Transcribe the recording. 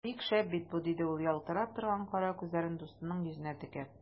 Бик шәп бит бу! - диде ул, ялтырап торган кара күзләрен дустының йөзенә текәп.